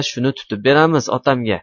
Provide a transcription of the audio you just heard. shuni tutib beramiz otamga